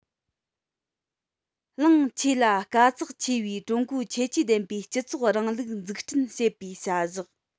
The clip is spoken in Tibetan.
རླངས ཆེ ལ དཀའ ཚེགས ཆེ བའི ཀྲུང གོའི ཁྱད ཆོས ལྡན པའི སྤྱི ཚོགས རིང ལུགས འཛུགས སྐྲུན བྱེད པའི བྱ བཞག